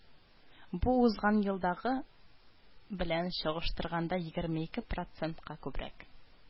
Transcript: Бу узган елдагы белән чагыштырганда егерме ике процентка күбрәк